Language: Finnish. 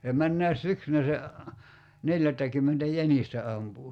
se menneenäkin syksynä se neljättäkymmentä jänistä ampui